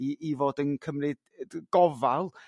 I i fod yn cymryd yrr d- gofal